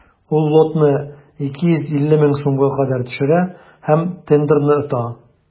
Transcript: Ул лотны 250 мең сумга кадәр төшерә һәм тендерны ота.